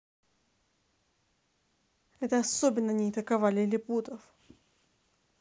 это особенно ней такова лилипутов